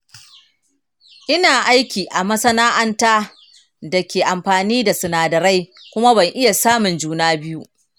ina aiki a masana’anta da ke amfani da sinadarai kuma ban iya samun juna biyu.